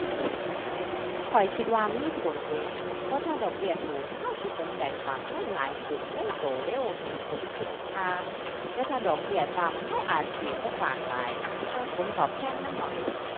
ข้อยคิดว่ามีผลเดะ เพราะถ้าดอกเบี้ยสูงเราสิสนใจฝากเงินหลายขึ้น เงินโตเร็ว เห็นผลคุ้มค่า แต่ถ้าดอกเบี้ยต่ำเราอาจสิบ่ฝากหลายเพราะว่าผลตอบแทนมันน้อย